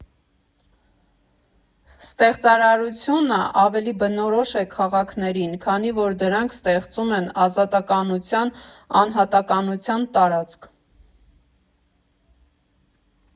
Ստեղծարարությունը ավելի բնորոշ է քաղաքներին, քանի որ դրանք ստեղծում են ազատականության, անհատականության տարածք։